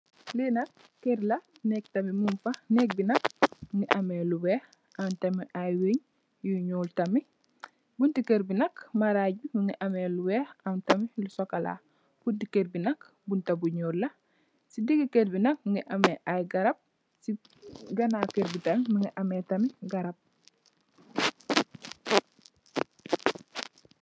Lii nak kerr la, nehgg tamit mung fa, nehgg bii nak mungy ameh lu wekh, am tamit aiiy weungh yu njull tamit, bunti kerr bii nak marajj bii mungy ameh lu wekh, am tamit lu chocolat, bunti kerr bii nak bunta bu njull la, cii digi kerr bii nak mungy ameh aiiy garab, cii ganaw kerr bii tamit mungy ameh tamit garab.